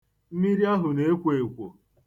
Mmiri ahụ na-ekwo ekwo.